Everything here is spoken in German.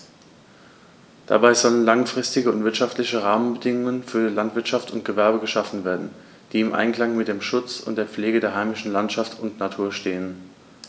Dabei sollen langfristige und wirtschaftliche Rahmenbedingungen für Landwirtschaft und Gewerbe geschaffen werden, die im Einklang mit dem Schutz und der Pflege der heimischen Landschaft und Natur stehen.